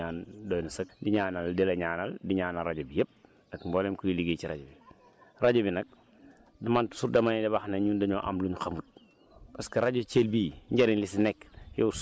dañuy wax ne jàmm du ëpp rek waaye li ñu yàlla ñii ñaan doy na sëkk di ñaanal di la ñaanal di ñaanal radio bi yëpp ak mboolem kuy liggéey ci rajo bi rajo bi nag man toujours dama leen di wax ne ñun dañoo am lu ñu xamut